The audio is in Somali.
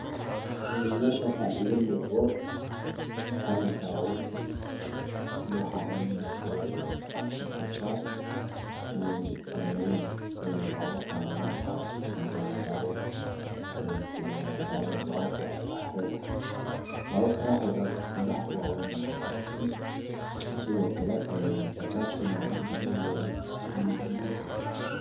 Meeshaan waxa iga muuqdo hal baabuur iyo waxa iiga muuqdo afar bajaaj iyo labo baabuurtan noh and baaruurta raaxada, baabuurtan raaxada saddex xabo weyna cad-cad yihiin sidoo kalena bajaajtana waa mid daguug eh.